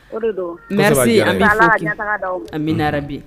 Mi an bɛ an bɛre bi